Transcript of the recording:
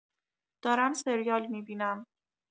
دارم سریال می‌بینم.